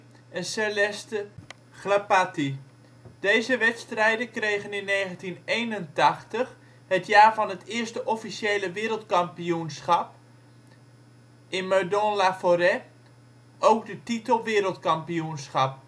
en Celeste Chlapaty). Deze wedstrijden kregen in 1981, het jaar van het eerste officiële wereldkampioenschap in Meudon-la-Forêt, ook de titel wereldkampioenschap